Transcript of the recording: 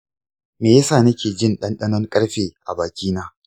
me ya sa nake jin ɗanɗanon ƙarfe a bakina?